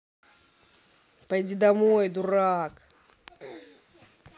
пойди домой дурак